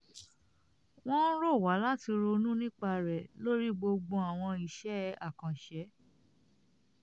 "Wọ́n rọ̀ wá láti ronú nípa rẹ̀ lórí gbogbo àwọn iṣẹ́ àkànṣe.